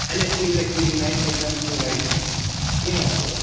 And it seemed like really nice like them to, you know.